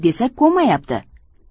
desak ko'nmayapti